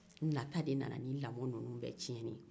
nata de nana ni lamɔ ninnuw bɛɛ tiɲɛni ye